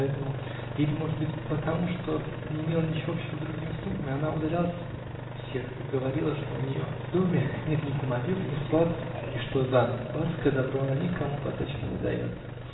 поэтому, или, может быть, потому, что не имела ничего общего с другими слугами, она удалялась всех и говорила, что у нее в доме нет ни кумовьев, ни сватов и что за барское добро она никому потачки не дает.